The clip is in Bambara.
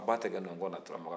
ba tigɛ nɔnkɔn na tura mankan